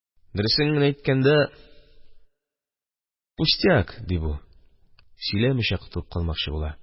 – дөресен генә әйткәндә, пустяк, – ди бу, сөйләмичә котылып калмакчы була.